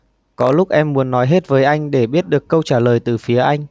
có lúc em muốn nói hết với anh để biết được câu trả lời từ phía anh